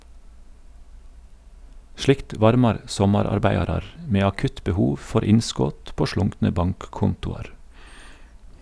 Slikt varmar sommararbeidarar med akutt behov for innskot på slunkne bankkontoar.